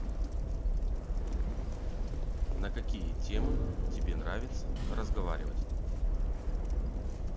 на какие темы тебе нравится разговаривать